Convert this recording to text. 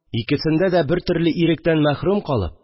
Икесендә дә, бер төрле «ирек»тән мәхрүм калып